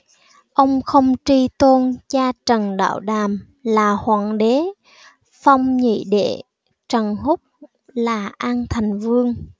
ông không truy tôn cha trần đạo đàm là hoàng đế phong nhị đệ trần húc là an thành vương